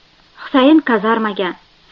husayn kazarmaga